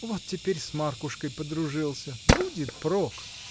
Вот теперь с Маркушкой подружился: будет прок!